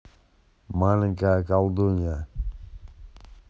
маленькая колдунья